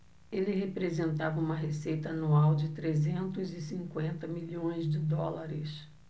ele representava uma receita anual de trezentos e cinquenta milhões de dólares